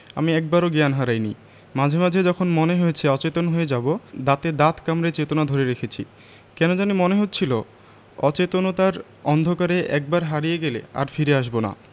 আমি একবারও জ্ঞান হারাইনি মাঝে মাঝে যখন মনে হয়েছে অচেতন হয়ে যাবো দাঁতে দাঁত কামড়ে চেতনা ধরে রেখেছি কেন জানি মনে হচ্ছিলো অচেতনতার অন্ধকারে একবার হারিয়ে গেলে আর ফিরে আসবো না